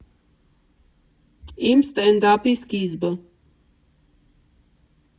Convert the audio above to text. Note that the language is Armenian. Իմ ստենդափի սկիզբը։